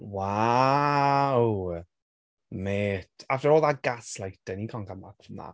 Wow, mate. After all that gaslighting, you can't come back from that.